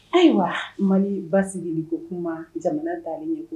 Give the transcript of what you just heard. Ayiwa Mali basigili ko kuma jamana taali ɲɛ ko